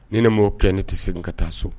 Ni ni mɔgɔw kɛ ne tɛ se n ka taa so